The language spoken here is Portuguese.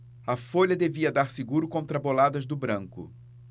a folha devia dar seguro contra boladas do branco